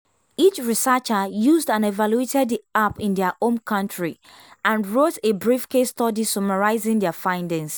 Each researcher used and evaluated the app in their home country, and wrote a brief case study summarizing their findings.